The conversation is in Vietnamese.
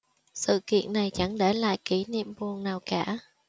sự kiện này chẳng để lại kỷ niệm buồn nào cả